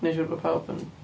Wneud siwr fod pawb yn...